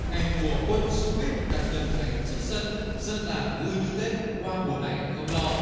ngày mùa quân du kích đặt từng gánh trước sân dân làng vui như tết qua mùa này không lo